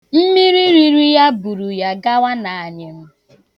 Mmiri riri ya buru ya gawa n'anyịm.